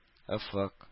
Офык